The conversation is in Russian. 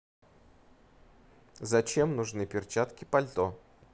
зачем нужны перчатки пальто